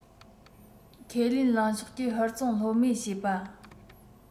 ཁས ལེན གླིང ཕྱོགས ཀྱིས ཧུར བརྩོན ལྷོད མེད བྱེད པ